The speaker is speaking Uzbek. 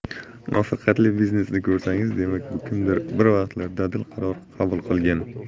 muvaffaqiyatli biznesni ko'rsangiz demak kimdir bir vaqtlar dadil qaror qabul qilgan